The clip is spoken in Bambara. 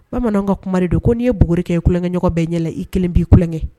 Bamananw ka kuma de don ko n'i ye bri kɛ ye kukɛɲɔgɔn bɛɛ ɲɛ i kelen b'i kukɛ